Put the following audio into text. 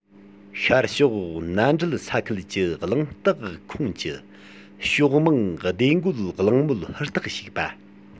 ཤར ཕྱོགས མནའ འབྲེལ ས ཁུལ གྱི གླེང སྟེགས ཁོངས ཀྱི ཕྱོགས མང བདེ འགོད གླེང མོལ ཧུར ཐག ཞུགས པ